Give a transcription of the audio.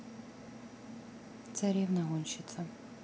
царевна гонщица